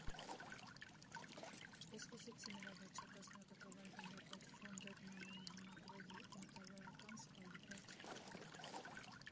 Ես խոսեցի նրա վարչակազմի ղեկավար գնդապետ ֆոն դեր Նոննեի՝ համակրելի մտավորական սպայի հետ»։